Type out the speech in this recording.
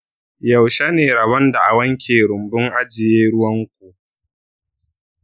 yaushe ne rabon da a wanke rumbun ajiye ruwan ku?